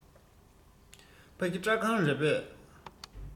ཕ གི སྐྲ ཁང རེད པས